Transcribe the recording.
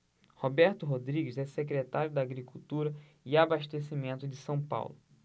roberto rodrigues é secretário da agricultura e abastecimento de são paulo